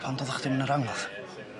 Pan doddach chdi'm yn yr angladd?